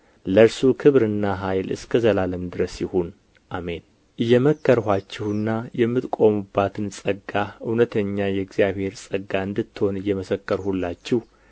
ለእርሱ ክብርና ኃይል እስከዘላለም ድረስ ይሁን አሜን እየመከርኋችሁና የምትቆሙባት ጸጋ እውነትኛ የእግዚአብሔር ጸጋ እንድትሆን እየመሰከርሁላችሁ